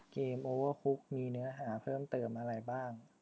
เกมโอเวอร์คุกมีเนื้อหาเพิ่มเติมอะไรบ้าง